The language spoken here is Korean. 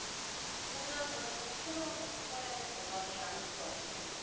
하지만 그것은 참으로 가슴 설레는 전망이 아닐 수 없습니다